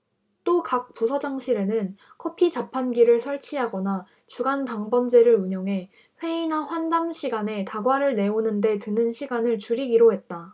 또 각 부서장실에는 커피자판기를 설치하거나 주간 당번제를 운영해 회의나 환담 시간에 다과를 내오는 데 드는 시간을 줄이기로 했다